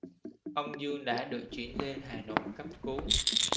ông dương đã được chuyển lên hà nội cấp cứu